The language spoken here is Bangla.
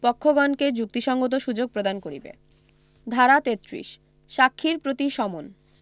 পক্ষগণকে যুক্তিসংগত সুযোগ প্রদান করিবে ধারা ৩৩ সাক্ষীর প্রতি সমন